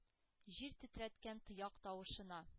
Җир тетрәткән тояк тавышына.